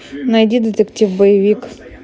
найди детектив боевик